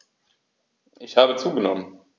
Ich habe zugenommen.